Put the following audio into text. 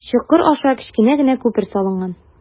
Чокыр аша кечкенә генә күпер салынган.